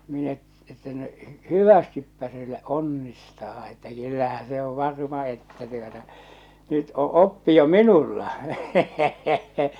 minä että no hyvästi se - onnistaa että kyllähän se on varma että tuota nyt on oppi jo minulla